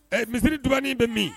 Ɛɛ misiri ntugani bɛ min